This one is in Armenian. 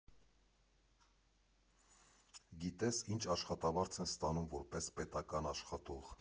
Գիտե՞ս ինչ աշխատավարձ են ստանում որպես պետական աշխատող։